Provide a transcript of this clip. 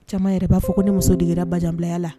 Ca yɛrɛ b'a fɔ ko ne muso dera bajanbilaya la